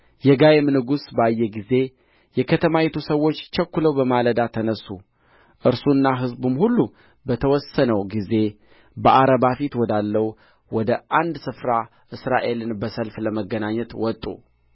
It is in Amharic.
የጋይም ንጉሥ ባየ ጊዜ የከተማይቱ ሰዎች ቸኵለው በማለዳ ተነሡ እርሱና ሕዝቡም ሁሉ በተወሰነው ጊዜ በዓረባ ፊት ወዳለው ወደ አንድ ስፍራ እስራኤልን በሰልፍ ለመገናኘት ወጡ